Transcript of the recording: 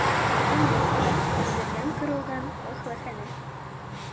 Уң якта киндердән корылган каһвәханә.